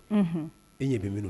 E ɲɛ bɛ mun